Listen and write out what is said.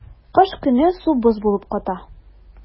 Кыш көне су боз булып ката.